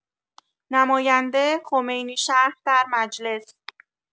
نماینده خمینی‌شهر در مجلس